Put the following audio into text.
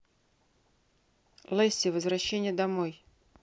лесси возвращение домой